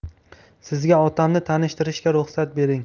sizga otamni tanishtirishga ruxsat bering